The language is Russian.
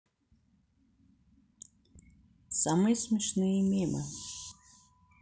самые смешные мемы